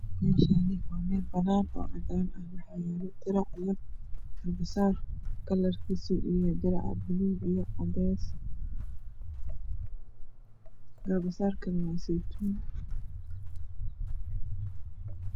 Meshani waa mel banan ah oo cadan ah waxayalo dilac io garbasar kalakis ow yahay dilac baluug io cades garbasarkan waa seytuun